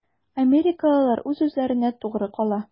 Америкалылар үз-үзләренә тугры кала.